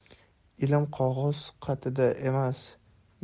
ilm qog'oz qatida